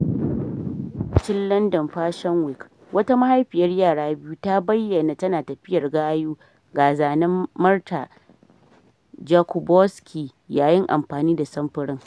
A lokacin London Fashion Week, wata mahaifiyar yara biyu ta bayyana tana tafiyar gayu ga zanen Marta Jakubowski yayin amfani da samfurin.